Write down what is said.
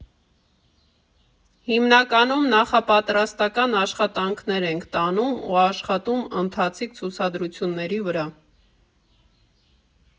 Հիմնականում նախապատրաստական աշխատանքներ ենք տանում ու աշխատում ընթացիկ ցուցադրությունների վրա։